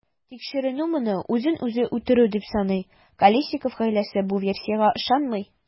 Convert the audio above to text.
Тикшеренү моны үзен-үзе үтерү дип саный, Колесников гаиләсе бу версиягә ышанмый.